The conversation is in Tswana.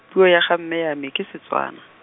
puo ya ga mme ya me ke Setswana.